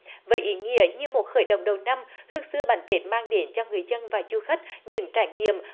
với ý nghĩa như một khởi động đầu năm hương xưa bánh tết mang đến cho người dân và du khách những trải nghiệm